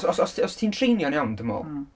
Os, os ti'n treinio'n iawn dwi'n meddwl... Mm.